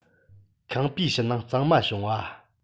ཁང པའི ཕྱི ནང གཙང མ བྱུང བ